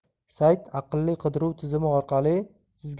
sayt aqlli qidiruv tizimi orqali sizga